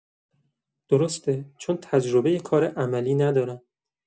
درسته، چون تجربه کار عملی ندارن.